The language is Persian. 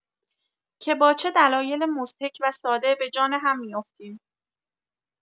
که با چه دلایل مضحک و ساده به جان هم می‌افتیم.